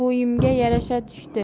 bo'yimga yarasha tushdi